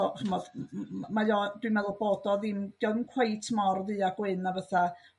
so ch'mod mae o dwi'n meddwl bod ddim dio'm cweit mor ddu a gwyn a fytha